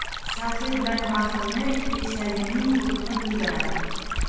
saxiy bilan baxilni eshagining to'qimi bildirar